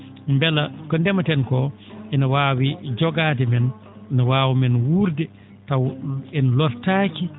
mbela ko ndemeten koo ene waawi jogaade men ne waawa men wuurde taw en lortaaki